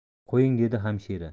qo'ying dedi hamshira